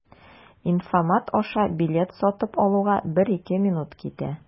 Инфомат аша билет сатып алуга 1-2 минут китә.